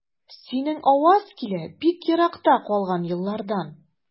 Синең аваз килә бик еракта калган еллардан.